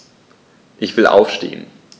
Ich will aufstehen.